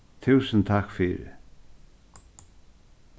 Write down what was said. túsund takk fyri